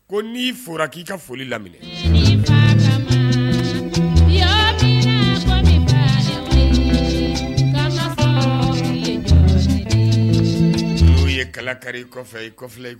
Ko n'i fɔra k'i ka foli laminɛ n' ye kala kari i ye